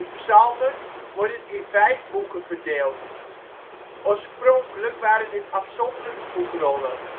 psalmen worden in vijf boeken verdeeld. Oorspronkelijk waren dit afzonderlijke boekrollen